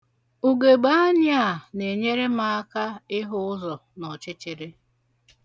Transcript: Ugegbe anya a na-enyere m aka ịhụ ụzọ n'ọchịchịrị.